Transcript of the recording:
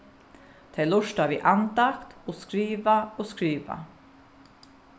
tey lurta við andakt og skriva og skriva